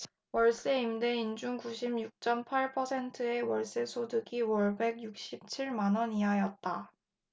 월세 임대인 중 구십 육 쩜 팔 퍼센트의 월세소득이 월 백 육십 칠 만원 이하였다